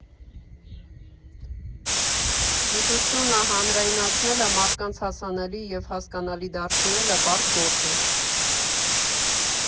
Գիտությունը հանրայնացնելը, մարդկանց հասանելի և հասկանալի դարձնելը բարդ գործ է»։